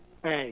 eeyi